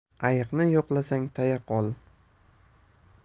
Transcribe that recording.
ayiqni yo'qlasang tayoq ol